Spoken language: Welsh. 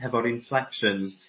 hefo'r inflections